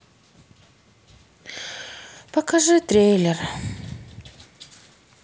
покажи трейлер